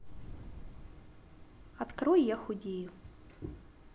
открой я худею